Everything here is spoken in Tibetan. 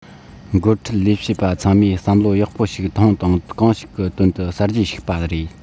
འགོ ཁྲིད ལས བྱེད པ ཚང མས བསམ བློ ཡག པོ ཞིག ཐོངས དང གང ཞིག གི དོན དུ གསར བརྗེར ཞུགས པ རེད